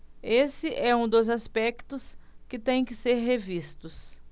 esse é um dos aspectos que têm que ser revistos